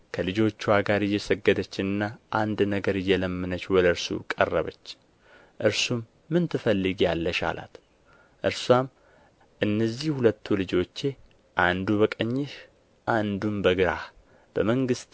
ከልጆችዋ ጋር እየሰገደችና አንድ ነገር እየለመነች ወደ እርሱ ቀረበች እርሱም ምን ትፈልጊያለሽ አላት እርስዋም እነዚህ ሁለቱ ልጆቼ አንዱ በቀኝህ አንዱም በግራህ በመንግሥት